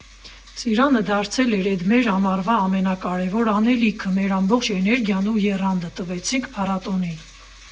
Ծիրանը դարձել էր էդ մեր ամառվա ամենակարևոր անելիքը, մեր ամբողջ էներգիան ու եռանդը տվեցինք փառատոնին։